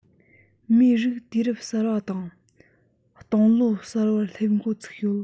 མིའི རིགས དུས རབས གསར པ དང སྟོང ལོ གསར པར སླེབས འགོ ཚུགས ཡོད